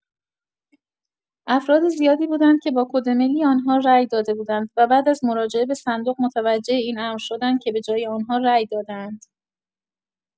افراد زیادی بودند که با کد ملی آنها رای داده بودند و بعد از مراجعه به صندوق متوجه این امر شدند که به‌جای آنها رای داده‌اند.